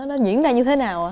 nó nó diễn ra như thế nào ạ